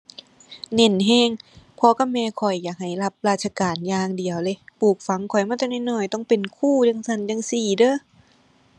เน้นแรง พ่อกับแม่ข้อยอยากให้รับราชการอย่างเดียวเลย ปลูกฝังข้อยมาแต่น้อยน้อยต้องเป็นครูจั่งซั้นจั่งซี้เด้อ